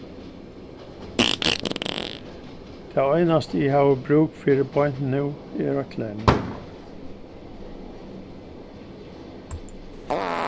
tað einasta eg havi brúk fyri beint nú er eitt klemm